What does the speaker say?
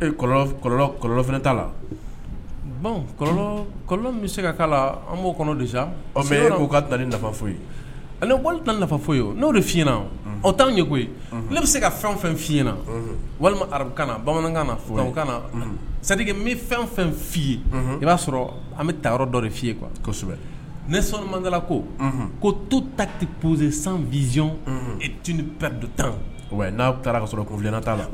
Lɔn kɔlɔn t'a la kɔlɔn bɛ se ka la an b'o kɔnɔ de sa' ka ni nafa fo ye wali tan nafa fɔ ye n'o de fiyna o' anw ye koyi ne bɛ se ka fɛn fɛn fy na walima arabukanana bamanankan na kana na sadi bɛ fɛn fɛn'i ye i b'a sɔrɔ an bɛ taa yɔrɔ dɔ de'iye kosɛbɛ ne sɔnman ko ko to ta tɛ pose san vzy don tan n'a taara ka sɔrɔfina t'a la